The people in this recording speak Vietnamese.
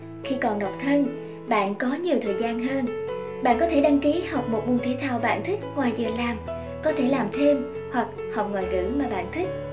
khi còn độc thân bạn có nhiều thời gian hơn bạn có thể đăng ký học một môn thể thao bạn thích ngoài giờ làm có thể làm thêm hoặc học ngoại ngữ mà bạn thích